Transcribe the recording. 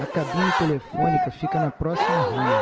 a cabine telefônica fica na próxima rua